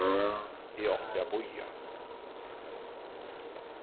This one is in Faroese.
eg átti at bíðað